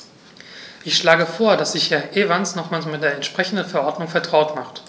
Ich schlage vor, dass sich Herr Evans nochmals mit der entsprechenden Verordnung vertraut macht.